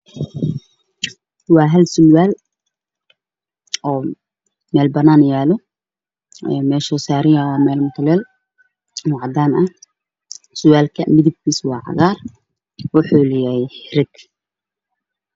Maxaa yeelay sarwaal midabkiisa iyo ardaydaas waxaa u saaran yahay meel caddaan ah